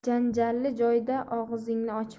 janjalli joyda og'zingni ochma